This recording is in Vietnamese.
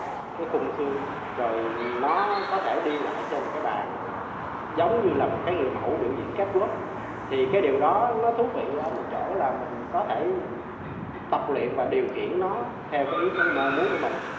cái khung xưqng rồi nó có thể đi lại trên cái bàn giống như là một cái người mẫu biểu diễn catwalk thì cái điều đó nó thú vị ở một chỗ là mình có thể tập luyện và điều khiển nó theo ý muốn của mình